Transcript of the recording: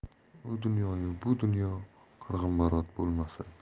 u dunyoyu bu dunyo qirg'inbarot bo'lmasin